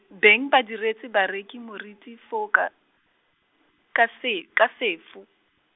beng ba diretse bareki moriti foo ka, ka se, ka sefo.